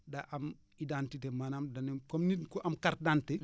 daa am identité maanaam danoo comme nit ku am carte d' identité